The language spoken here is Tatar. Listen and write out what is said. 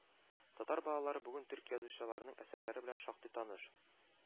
Татар балалары бүген Төркия язучыларының әсәрләре белән шактый таныш